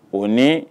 O ni